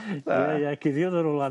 Ie ie cuddiodd o rŵla...